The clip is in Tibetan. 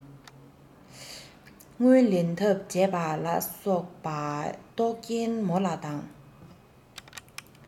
དངུལ ལེན ཐབས བྱས པ ལ སོགས པ རྟོག རྐྱེན མོ ལ དང